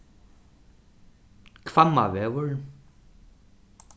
hvammavegur